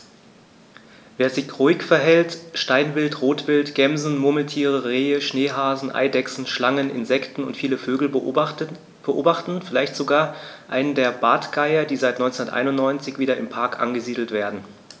Wer sich ruhig verhält, kann Steinwild, Rotwild, Gämsen, Murmeltiere, Rehe, Schneehasen, Eidechsen, Schlangen, Insekten und viele Vögel beobachten, vielleicht sogar einen der Bartgeier, die seit 1991 wieder im Park angesiedelt werden.